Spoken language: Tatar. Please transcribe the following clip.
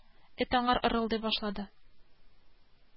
Эт аңар ырылдый башлады